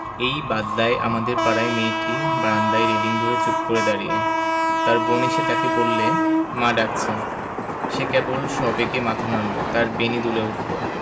এই বাদলায় আমাদের পাড়ার মেয়েটি বারান্দায় রেলিঙ ধরে চুপ করে দাঁড়িয়ে তার বোন এসে তাকে বললে মা ডাকছে সে কেবল সবেগে মাথা নাড়ল তার বেণী দুলে উঠল